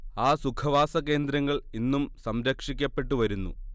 ആ സുഖവാസകേന്ദ്രങ്ങൾ ഇന്നും സംരക്ഷിക്കപ്പെട്ടു വരുന്നു